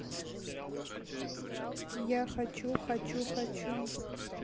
я хочу хочу хочу